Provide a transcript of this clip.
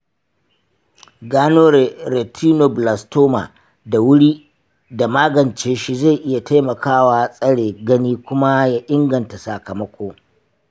gano retinoblastoma da wuri da magance shi zai iya taimakawa tsare gani kuma ya inganta sakamako.